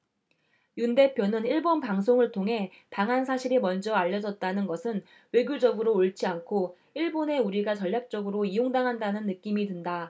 윤 대표는 일본 방송을 통해 방한 사실이 먼저 알려졌다는 것은 외교적으로 옳지 않고 일본에 우리가 전략적으로 이용당한다는 느낌이 든다